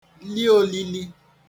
li olili